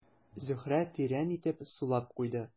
Зөһрә тирән итеп сулап куйды.